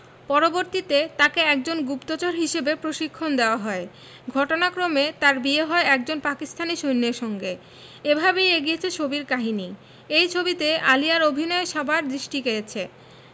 পরবর্তীতে তাকে একজন গুপ্তচর হিসেবে প্রশিক্ষণ দেওয়া হয় ঘটনাক্রমে তার বিয়ে হয় একজন পাকিস্তানী সৈন্যের সঙ্গে এভাবেই এগিয়েছে ছবির কাহিনী এই ছবিতে আলিয়ার অভিনয় সবার দৃষ্টি কেড়েছে